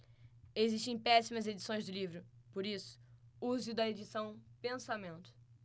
existem péssimas edições do livro por isso use o da edição pensamento